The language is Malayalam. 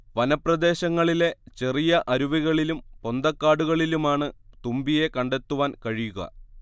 വനപ്രദേശങ്ങളിലെ ചെറിയ അരുവികളിലും പൊന്തക്കാടുകളിലുമാണ് തുമ്പിയെ കണ്ടെത്തുവാൻ കഴിയുക